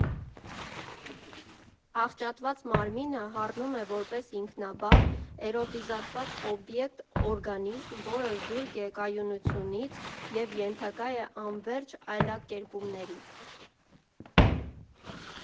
Աղճատված մարմինը հառնում է որպես ինքնաբավ, էրոտիզացված օբյեկտ֊օրգանիզմ, որը զուրկ է կայունությունից և ենթակա է անվերջ այլակերպումների։